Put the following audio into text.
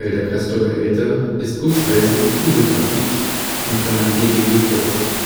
der Castor-Behälter ist Gusseisen mit Kugelgraphit (GGG40